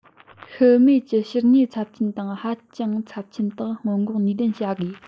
ཤི རྨས ཀྱི བྱུར ཉེས ཚབས ཆེན དང ཧ ཅང ཚབས ཆེན དག སྔོན འགོག ནུས ལྡན བྱ དགོས